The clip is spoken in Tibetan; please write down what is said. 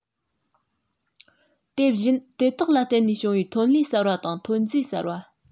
དེ བཞིན དེ དག ལ བརྟེན ནས བྱུང བའི ཐོན ལས གསར པ དང ཐོན རྫས གསར པ